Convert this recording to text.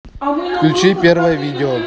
включи первое видео